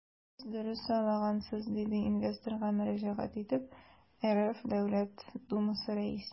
Сез дөрес сайлагансыз, - диде инвесторга мөрәҗәгать итеп РФ Дәүләт Думасы Рәисе.